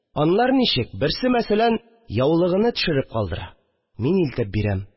Анлар ничек, берсе, мәсәлән, яулыгыны төшереп калдыра, мин илтеп бирәм